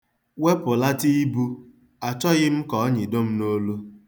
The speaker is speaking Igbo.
Wepụlata ibu, achọghị m ka ọ nyịdo m n'olu.